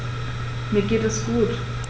Mir geht es gut.